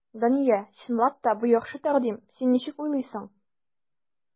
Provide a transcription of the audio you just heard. Дания, чынлап та, бу яхшы тәкъдим, син ничек уйлыйсың?